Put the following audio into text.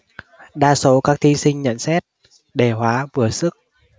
đa số các thí sinh nhận xét đề hóa vừa sức